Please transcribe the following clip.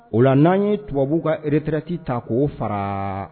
O la n'an ye tubabuu ka retreti ta k'o faga